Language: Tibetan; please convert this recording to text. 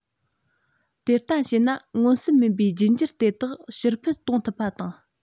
དེ ལྟ བྱས ན མངོན གསལ མིན པའི རྒྱུད འགྱུར དེ དག ཕྱིར ཕུད གཏོང ཐུབ པ དང